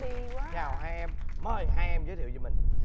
chào hai em mời hai em giới thiệu về mình